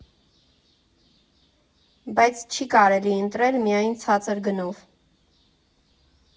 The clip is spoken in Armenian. Բայց չի կարելի ընտրել միայն ցածր գնով։